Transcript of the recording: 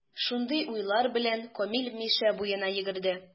Шундый уйлар белән, Камил Мишә буена йөгерде.